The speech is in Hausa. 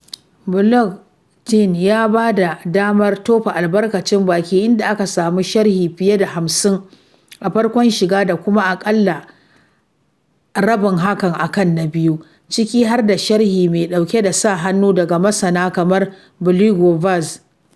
Blog ɗin ya bada daman tofa albarkacin baki, inda aka samu sharhi fiye da 50 a farkon shiga da kuma aƙalla rabin hakan akan na biyu, ciki har da sharhi mai ɗauke da sa hannu daga masana kamar Edígio Vaz [pt].